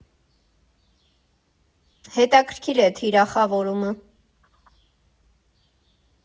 Հետաքրքիր է թիրախավորումը.